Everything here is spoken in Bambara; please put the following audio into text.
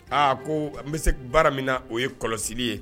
Aa a ko n bɛ se baara min na o ye kɔlɔsi ye